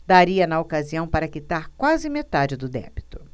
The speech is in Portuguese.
daria na ocasião para quitar quase metade do débito